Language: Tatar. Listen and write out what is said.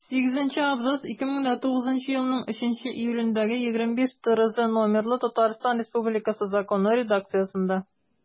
Сигезенче абзац 2009 елның 3 июлендәге 25-ТРЗ номерлы Татарстан Республикасы Законы редакциясендә.